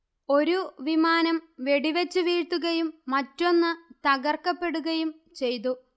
ഒരു വിമാനം വെടിവെച്ചു വീഴ്ത്തുകയും മറ്റൊന്ന് തകർക്കപ്പെടുകയും ചെയ്തു